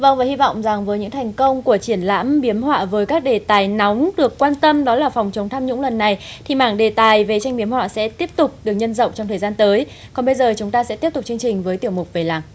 vâng và hy vọng rằng với những thành công của triển lãm biếm họa với các đề tài nóng được quan tâm đó là phòng chống tham nhũng lần này thì mảng đề tài về tranh biếm họa sẽ tiếp tục được nhân rộng trong thời gian tới còn bây giờ chúng ta sẽ tiếp tục chương trình với tiểu mục về làng